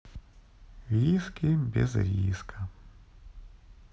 виски без риска